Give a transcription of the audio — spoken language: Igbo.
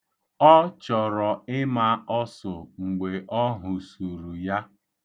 Ọ chọrọ ịma ọsụ mgbe ọ hụsuru ya.